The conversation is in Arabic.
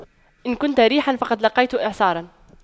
إن كنت ريحا فقد لاقيت إعصارا